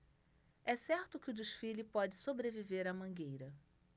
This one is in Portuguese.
é certo que o desfile pode sobreviver à mangueira